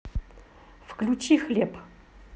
включи хлеб